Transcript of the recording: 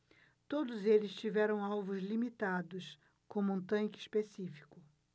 todos eles tiveram alvos limitados como um tanque específico